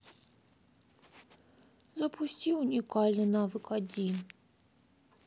запусти уникальный навык один